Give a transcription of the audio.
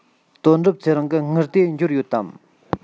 དོན གྲུབ ཚེ རིང གི དངུལ དེ འབྱོར ཡོད དམ